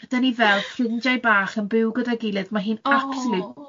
'dan ni fel ffrindiau bach yn byw gyda'i gilydd, ma' hi'n... Ohh